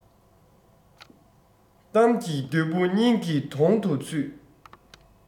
གཏམ གྱི བདུད པོ སྙིང གི དོང དུ ཚུད